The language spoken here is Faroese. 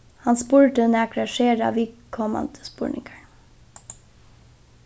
hann spurdi nakrar sera viðkomandi spurningar